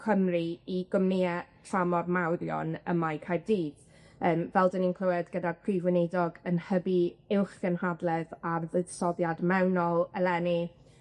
Cymru i gwmnïe tramor mawrion ym Mae Caerdydd, yym fel 'dyn ni'n clywed gyda'r Prif Weinidog yn hybu uwchgynhadledd ar fuddsoddiad mewnol eleni